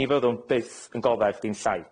Ni fyddwn byth yn goddef dim llai.